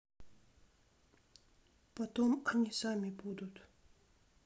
потом они сами будут